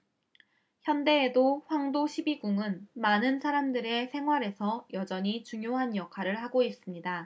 현대에도 황도 십이궁은 많은 사람들의 생활에서 여전히 중요한 역할을 하고 있습니다